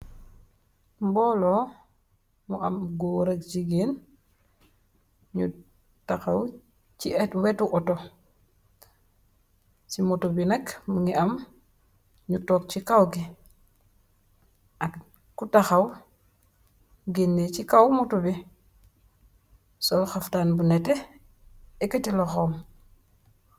Mbolo mu am goor ak jigeen, yu taxaw si wetu ooto, si moto bi nak mingi am nyu toog si kaw gi, ak ku taxaw gene si kaw moto bi, sol xaftan bu nete eketi loxo.